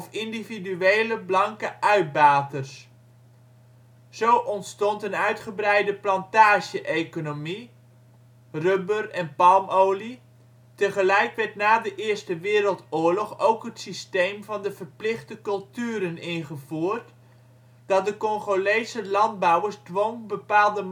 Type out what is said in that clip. individuele blanke uitbaters (colons). Zo ontstond een uitgebreide plantage-economie (rubber, palmolie). Tegelijk werd na de Eerste Wereldoorlog ook het systeem van de verplichte culturen ingevoerd, dat de Congolese landbouwers dwong bepaalde